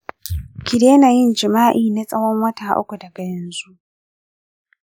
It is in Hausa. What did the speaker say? ki daina yin jima'i na tsawon wata uku daga yanxu.